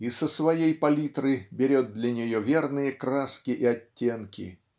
и со своей палитры берет для нее верные краски и оттенки